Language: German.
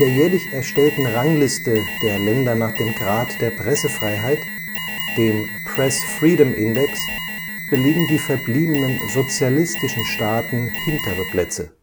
jährlich erstellten Rangliste der Länder nach dem Grad der Pressefreiheit, dem Press Freedom Index, belegen die verbliebenen sozialistischen Staaten hintere Plätze